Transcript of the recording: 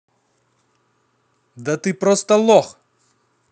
да ты просто лох